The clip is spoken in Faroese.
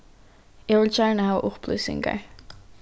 eg vil gjarna hava upplýsingar